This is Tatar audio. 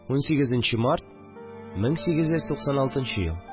18 нче март 1896 ел